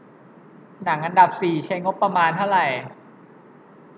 หนังอันดับสี่ใช้งบประมาณเท่าไหร่